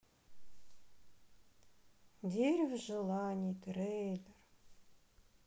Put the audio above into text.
дерево желаний трейлер